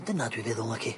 Dyna dwi feddwl naci?